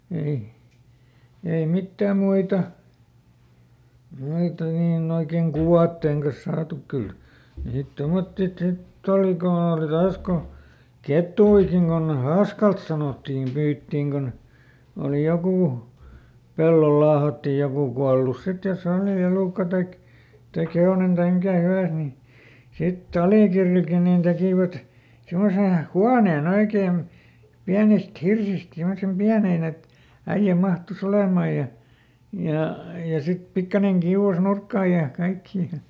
ei ei mitään muita noita niin oikein kuvien kanssa saatu kyllä niitä tuommoisia sitten oli kun oli taas kun kettujakin kun haaskalta sanottiin pyydettiin kun oli joku pellolla laahattiin joku kuollut sitten jos oli elukka tai tai hevonen tai mikä hyvänsä niin sitten Alikirrilläkin niin tekivät semmoisen huoneen oikein pienistä hirsistä semmoisen pienen että äijä mahtui olemaan ja ja ja sitten pikkuinen kiuas nurkkaan ja kaikkia